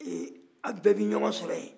ɛ aw bɛɛ bɛ ɲɔgɔn sɔrɔ ye